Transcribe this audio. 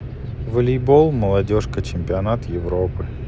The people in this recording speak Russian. волейбол молодежка чемпионат европы